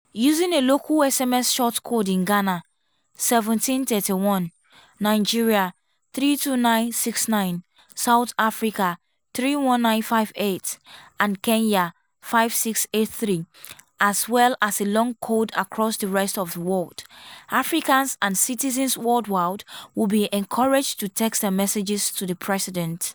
Using a local SMS short code in Ghana (1731) , Nigeria (32969) , South Africa (31958) and Kenya (5683), as well as a long code across the rest of the world*, Africans and citizens worldwide will be encouraged to text their messages to the President.